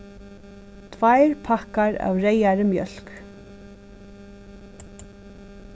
tveir pakkar av reyðari mjólk